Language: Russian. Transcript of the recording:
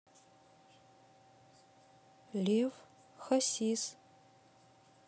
лев хасис